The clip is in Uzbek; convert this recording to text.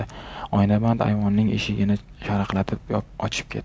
oynaband ayvonning eshigini sharaqlatib ochib keti